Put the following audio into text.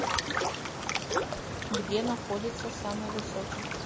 где находится самый высокий